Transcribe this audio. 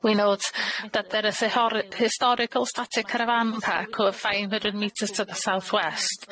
We note that there is a hor- historical static caravan park over five hundred metres to the south-west.